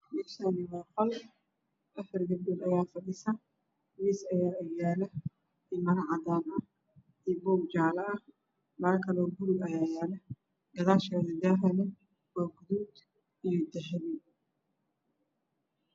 Meeshaani waa qol afar gabdhood ayaana fadhisi miis ayaa hor yaalo iyo buug jaalo baakad buluug yaalo gadaashooda daahana waa guduud iyo dahabi